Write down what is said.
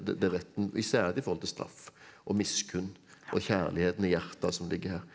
det vet en i særlig i forhold til straff og miskunn og kjærligheten i hjertet som ligger her.